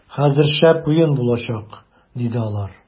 - хәзер шәп уен булачак, - диде алар.